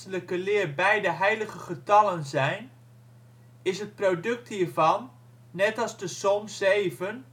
leer beide heilige getallen zijn, is het product hiervan net als de som zeven